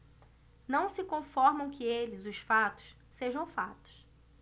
não se conformam que eles os fatos sejam fatos